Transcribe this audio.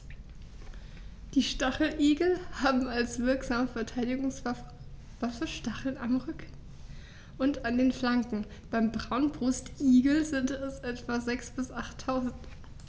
Die Stacheligel haben als wirksame Verteidigungswaffe Stacheln am Rücken und an den Flanken (beim Braunbrustigel sind es etwa sechs- bis achttausend).